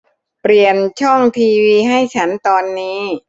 เปลี่ยนช่องทีวีให้ฉันตอนนี้